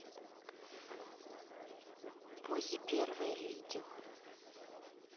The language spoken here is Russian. поззи первое видео